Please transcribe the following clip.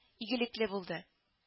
Игелекле булды